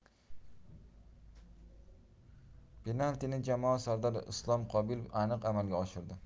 penaltini jamoa sardori islom qobilov aniq amalga oshirdi